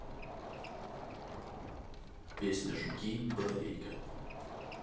песня жуки батарейка